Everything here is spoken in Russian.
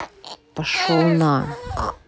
пошел на